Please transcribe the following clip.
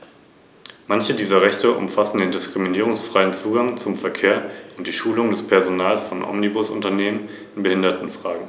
Dabei darf es nicht angehen, dass - wie es anscheinend die Absicht der Mitgliedsstaaten ist - Europa überhaupt nicht mehr in Erscheinung tritt.